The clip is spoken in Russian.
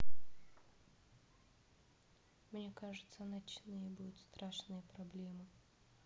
мне кажется ночные будут страшные проблемы